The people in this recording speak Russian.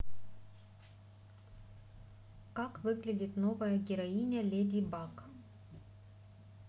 как выглядит новая героиня леди баг